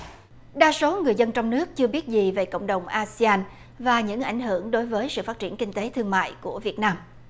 đa số người dân trong nước chưa biết gì về cộng đồng a sê an và những ảnh hưởng đối với sự phát triển kinh tế thương mại của việt nam